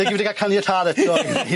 Nag 'yf fi di ca'l caniatâd eto.